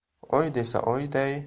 oy desa oyday